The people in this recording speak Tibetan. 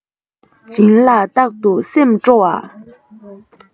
སྦྱིན ལ རྟག ཏུ སེམས སྤྲོ བ